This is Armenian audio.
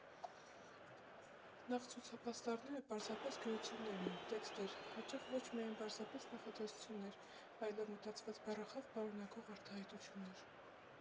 Նախ ցուցապաստառները պարզապես գրություններ էին, տեքստեր, հաճախ ոչ միայն պարզապես նախադասություններ, այլև մտածված բառախաղ պարունակող արտահայտություններ։